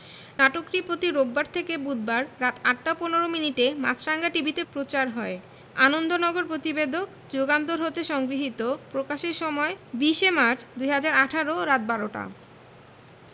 নাটকটি প্রতি রোববার থেকে বুধবার রাত ৮টা ১৫ মিনিটে মাছরাঙা টিভিতে প্রচার হয় আনন্দনগর প্রতিবেদক যুগান্তর হতে সংগৃহীত প্রকাশের সময় ২০ শে মার্চ ২০১৮ রাত ১২ ০০ টা